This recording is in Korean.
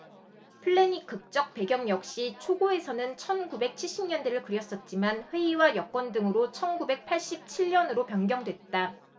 플래닛극적 배경 역시 초고에서는 천 구백 칠십 년대를 그렸었지만 회의와 여건 등으로 천 구백 팔십 칠 년으로 변경됐다